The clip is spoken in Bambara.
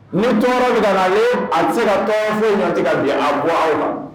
Ni tɔɔrɔ min a ye a tɛ se ka tɔnfɛn in ɲɔtigɛ ka bila a bɔ a ma